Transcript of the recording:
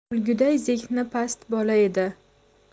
o'lguday zehni past bola edi